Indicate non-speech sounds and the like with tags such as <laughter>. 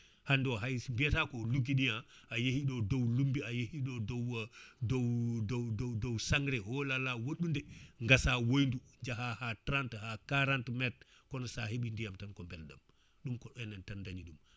hande o hay si biyata ko lugguiɗi <hesitation> <hesitation> a yeehi ɗo dow lumbi a yeehi ɗo dow <hesitation> <breath> dow dow dow sangre oh là là woɗɗude gassa woydu jaaha ha trente ha quarante métres kono sa heeɓi ndiyam tan ko beɗam ɗum ko ene tan dañi ɗum